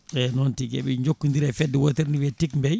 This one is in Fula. eyyi noon tigui eɓe jokkodire fedde wootere ne wiiye Timbay